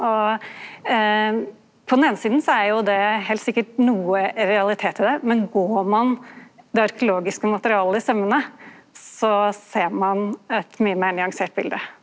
og på den eine sida så er jo det heilt sikkert noko realitet i det, men går ein det arkeologiske materialet i saumane så ser ein eit mykje meir nyansert bilete.